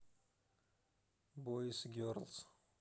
бойз герлз